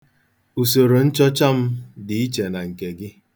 Usoro nchọcha m dị iche na nke gị.